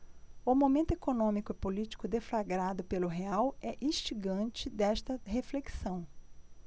o momento econômico e político deflagrado pelo real é instigante desta reflexão